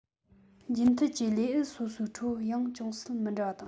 རྒྱུན མཐུད ཀྱི ལེའུ སོ སོའི ཁྲོད ཡང ཅུང ཟད མི འདྲ བ དང